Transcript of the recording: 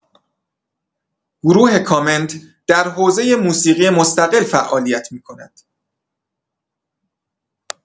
گروه کامنت در حوزه موسیقی مستقل فعالیت می‌کند.